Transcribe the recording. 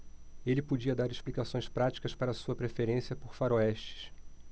ele podia dar explicações práticas para sua preferência por faroestes